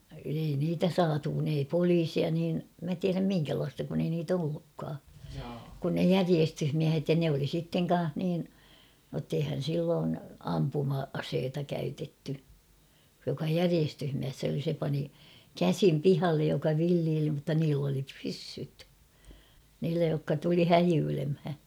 ei niitä saatu kun ei poliisia niin minä tiedä minkälaista kun ei niitä ollutkaan kuin ne järjestysmiehet ja ne oli sitten kanssa niin jotta eihän silloin ampuma-asetta käytetty joka järjestysmies oli se pani käsin pihalle joka villeili mutta niillä oli pyssyt niillä jotka tuli häijyilemään